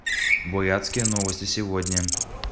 бурятские новости сегодня